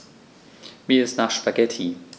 Mir ist nach Spaghetti.